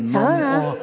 ja ja ja.